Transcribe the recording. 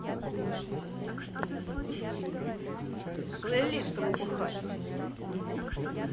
плейлист чтобы бухать